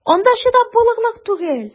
Анда чыдап булырлык түгел!